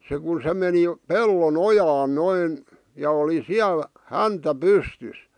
se kun se meni pellon ojaan noin ja oli siellä häntä pystyssä